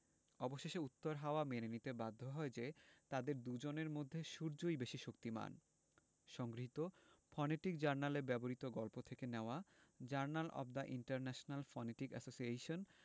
অবশেষে উত্তর হাওয়া মেনে নিতে বাধ্য হয় যে তাদের দুজনের মধ্যে সূর্যই বেশি শক্তিমান সংগৃহীত ফনেটিক জার্নালে ব্যবহিত গল্প থেকে নেওয়া journal of the international phonetic association